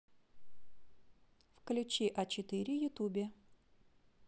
включи а четыре ютубе